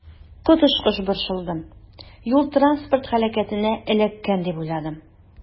Коточкыч борчылдым, юл-транспорт һәлакәтенә эләккән дип уйладым.